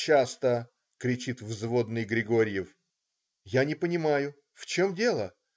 часто!" - кричит взводный Григорьев. Я не понимаю. В чем дело?